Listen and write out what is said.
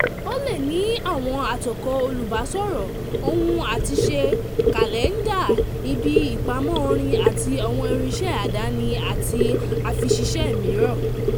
Ó le ní àwọn àtòkọ olùbásọ̀rọ̀, ohun-àti-ṣe, kàlẹ́ńdà, ibi ìpamọ́ orin àti àwọn irinṣẹ́ àdáni àti àfyṣiṣẹ́ mìràn.